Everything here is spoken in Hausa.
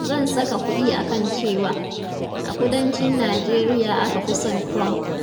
Zan saka kuɗi a kan cewa, a kudancin Nijeriya aka fi son Trumph.